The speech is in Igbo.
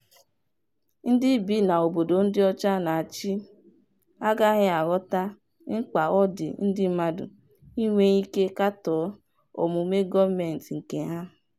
“Ndị bi na obodo ndị ọcha na-achị agaghị aghọta mkpa ọ dị ndị mmadụ inwe ike katọọ omume gọọmentị nke ha.